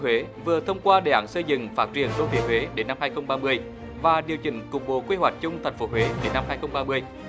huế vừa thông qua đề án xây dựng phát triển đô thị huế đến năm hai không ba mươi và điều chỉnh cục bộ quy hoạch chung thành phố huế đến năm hai không ba mươi